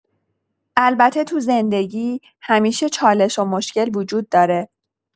البته تو زندگی همیشه چالش و مشکل وجود داره.